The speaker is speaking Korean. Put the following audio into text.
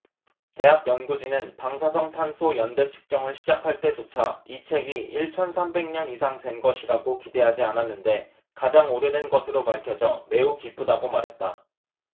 대학 연구진은 방사성탄소 연대측정을 시작할 때조차 이 책이 일 천 삼백 년 이상 된 것이라고 기대하지 않았는데 가장 오래된 것으로 밝혀져 매우 기쁘다고 말했다